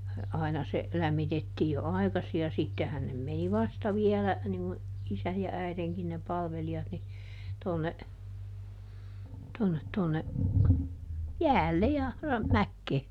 aina se lämmitettiin jo aikaisin ja sittenhän ne meni vasta vielä niin kuin isän ja äidinkin ne palvelijat niin tuonne tuonne tuonne jäälle ja - mäkeen